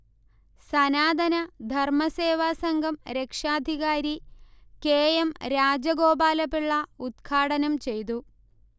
സനാതന ധർമസേവാസംഘം രക്ഷാധികാരി കെ. എം. രാജഗോപാലപിള്ള ഉദ്ഘാടനം ചെയ്തു